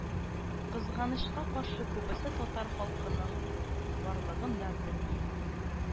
Кызганычка каршы, күбесе татар халкының барлыгын да белми